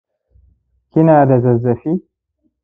kina da zazzafi